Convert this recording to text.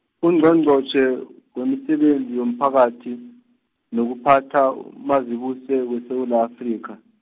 Ungqongqotjhe , wemisebenzi yomphakathi, nokuphatha uMazibuse weSewula Afrika.